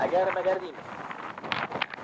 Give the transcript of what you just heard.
agar magar deymiz